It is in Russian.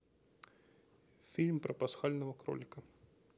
фильм про пасхального кролика